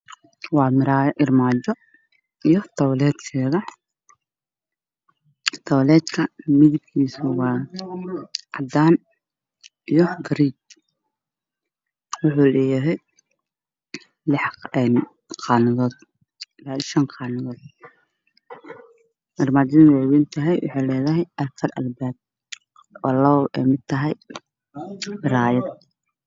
Waa muraayad farmaajo ah iyo tabaleedkeeda waa caddaan wuxuu leeyahay shanqaanadood